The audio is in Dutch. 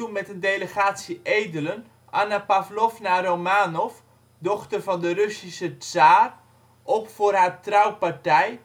met een delegatie edelen Anna Pawlowna Romanov, dochter van de Russische tsaar, op voor haar trouwpartij